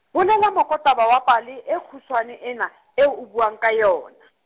bolela mokotaba wa pale e kgutshwane ena, eo o buang ka yona.